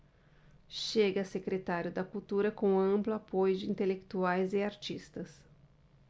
chega a secretário da cultura com amplo apoio de intelectuais e artistas